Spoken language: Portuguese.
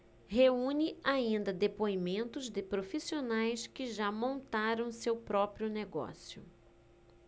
reúne ainda depoimentos de profissionais que já montaram seu próprio negócio